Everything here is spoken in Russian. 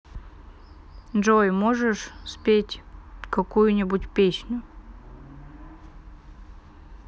джой можешь спеть какую нибудь песню